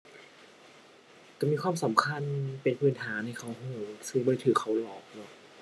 ก็มีความสำคัญ เป็นพื้นฐานให้เขาก็ สิบ่ได้ก็เขาหลอกเนาะ